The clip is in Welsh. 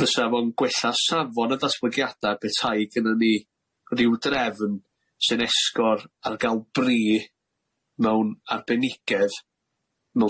fysa fo'n gwella safon y datblygiada betai gynnon ni ryw drefn sy'n esgor ar ga'l brî mewn arbenigedd mewn